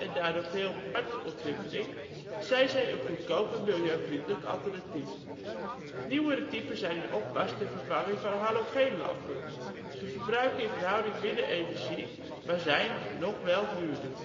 daardoor veel minder warmte ontwikkeling zijn zij een goedkoop en milieuvriendelijk alternatief. Nieuwere typen zijn in opmars ter vervanging van halogeenlampen. Ze verbruiken in verhouding minder energie, maar zijn (nog) wel duurder